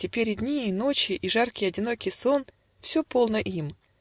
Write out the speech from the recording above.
теперь и дни и ночи, И жаркий одинокий сон, Все полно им